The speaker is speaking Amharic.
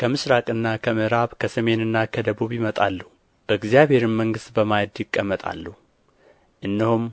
ከምሥራቅና ከምዕራብም ከሰሜንና ከደቡብም ይመጣሉ በእግዚአብሔርም መንግሥት በማዕድ ይቀመጣሉ እነሆም